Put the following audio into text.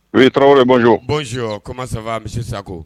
U ye tarawele boj bɔnzo koman saba misi sakɔ